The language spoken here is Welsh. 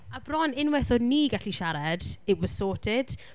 A bron unwaith o'n ni gallu siarad, it was sorted.